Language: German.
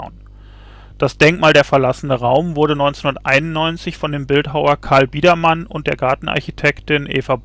Der verlassene Raum “wurde 1991 von dem Bildhauer Karl Biedermann und der Gartenarchitektin Eva